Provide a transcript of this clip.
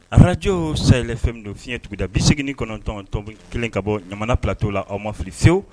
Arajo sayɛlɛ fɛn min don fiɲɛɲɛtigida bin segin kɔnɔntɔntɔn kelen ka bɔ ɲamana ptɔ la aw mafi fiwu